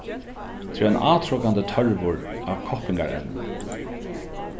tað er ein átrokandi tørvur á koppingarevni